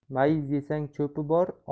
mayiz yesang cho'pi bor